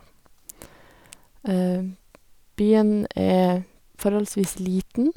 Byen er forholdsvis liten.